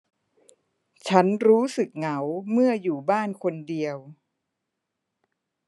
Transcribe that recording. ฉันรู้สึกเหงาเมื่ออยู่บ้านคนเดียว